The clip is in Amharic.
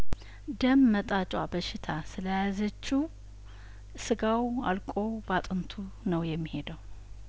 ደም መጣጯ በሽታ ስለያዘችው ስጋው አልቆ ባጥንቱ ነው የሚሄደው